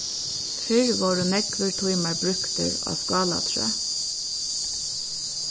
fyrr vóru nógvir tímar brúktir á skálatrøð